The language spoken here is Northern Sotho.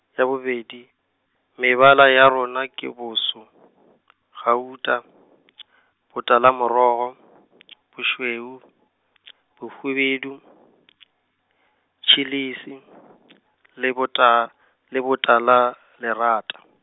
ya bobedi, mebala ya rona ke boso , gauta , botalamorogo , bošweu , bohwibidu , tšhilisi , le bota, le botalalerata.